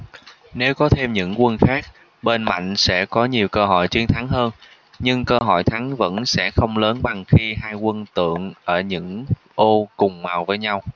nếu có thêm những quân khác bên mạnh sẽ có nhiều cơ hội chiến thắng hơn nhưng cơ hội thắng vẫn sẽ không lớn bằng khi hai quân tượng ở những ô cùng màu với nhau